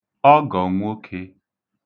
ọgọ̀ nwokē